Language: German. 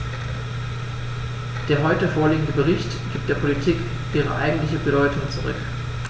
Der heute vorliegende Bericht gibt der Politik ihre eigentliche Bedeutung zurück.